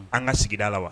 An ŋa sigida la wa